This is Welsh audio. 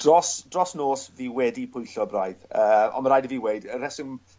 Dros dros nos fi wedi pwyllo braidd yy ond ma' raid i fi weud y reswm